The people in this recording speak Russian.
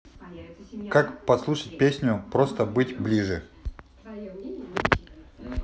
как послушать песню просто быть ближе